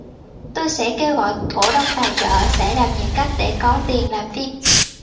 tôi sẽ kêu gọi cổ đông tài trợ sẽ làm nhiều cách để có tiền làm phim